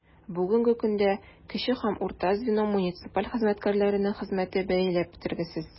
Бүгенге көндә кече һәм урта звено муниципаль хезмәткәрләренең хезмәте бәяләп бетергесез.